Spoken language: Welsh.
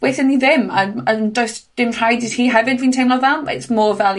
waethon ni ddim. A'n a'n, does dim rhaid i ti hefyd fi'n teimlo fel. It's more fel